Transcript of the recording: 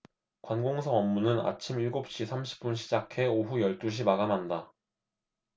관공서 업무는 아침 일곱 시 삼십 분 시작해 오후 열 두 시 마감한다